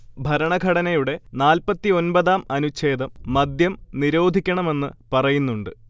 ഭരണഘടനയുടെ നാല്‍പ്പത്തിയൊന്‍പതാം അനുഛേദം മദ്യം നിരോധിക്കണമെന്ന് പറയുന്നുണ്ട്